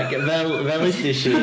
Fel fel ddudes i...